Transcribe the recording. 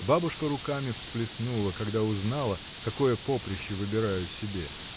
Бабушка руками всплеснула, когда узнала, какое поприще выбираю себе.